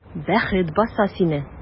Бәхет баса сине!